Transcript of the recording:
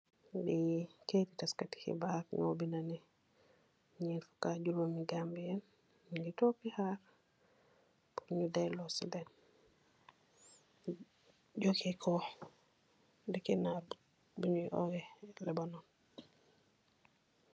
Taskati hibaar mo binda neh nyeen fuka juromi Gambian nyungi tork di haar nyu delosilen jugeeko deki naar bunyi owee Libanor